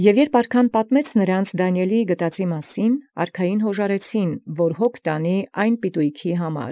Եւ իբրև պատմեցաւ նոցա յարքայէ վասն գտելոյն ի Դանիէլէ, յաւժարեցին զարքայ՝ փոյթ առնել վասն պիտոյիցն այնոցիկ։